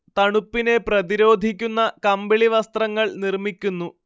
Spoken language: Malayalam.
തണുപ്പിനെ പ്രതിരോധിക്കുന്ന കമ്പിളി വസ്ത്രങ്ങൾ നിർമ്മിക്കുന്നു